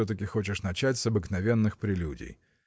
все-таки хочешь начать с обыкновенных прелюдий.